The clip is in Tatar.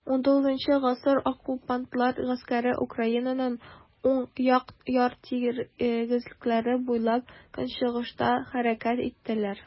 XIX Оккупантлар гаскәре Украинаның уң як яр тигезлекләре буйлап көнчыгышка хәрәкәт иттеләр.